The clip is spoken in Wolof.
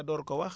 nga door ko wax